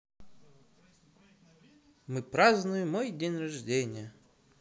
мы празднуем мой день рождения